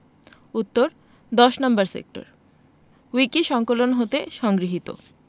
উত্তর ১০নং সেক্টরে উইকিসংকলন হতে সংগৃহীত